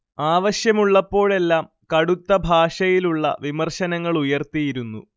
ആവശ്യമുള്ളപ്പോഴെല്ലാം കടുത്ത ഭാഷയിലുള്ള വിമർശനങ്ങളുയർത്തിയിരുന്നു